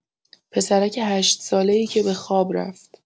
پسرک هشت‌ساله‌ای که به خواب رفت.